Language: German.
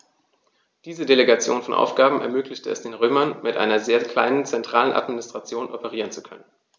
Diese Delegation von Aufgaben ermöglichte es den Römern, mit einer sehr kleinen zentralen Administration operieren zu können.